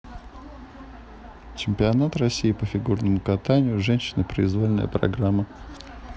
чемпионат россии по фигурному катанию женщины произвольная программа